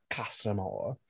Casa Amor.